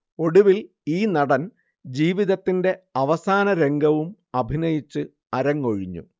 ഒടുവിൽ ഈ നടൻ ജീവിതത്തിന്റെ അവസാനരംഗവും അഭിനയിച്ച് അരങ്ങൊഴിഞ്ഞു